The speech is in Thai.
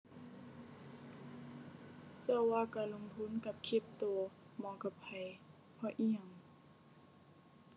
เจ้าว่าการลงทุนกับคริปโตเหมาะกับไผ เพราะอิหยัง